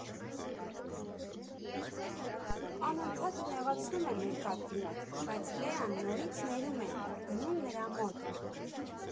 Անընդհատ նեղացնում է մեր կատվին, բայց Լեան նորից ներում է, գնում նրա մոտ։